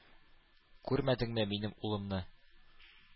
Күрмәдеңме минем улымны?